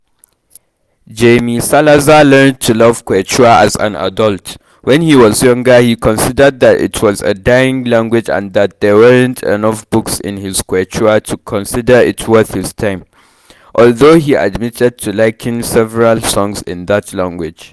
Jaime Salazar learned to love Quechua as an adult: when he was younger he considered that it was a dying language and that there weren't enough books in Quechua to consider it worth his time, although he admitted to liking several songs in that language.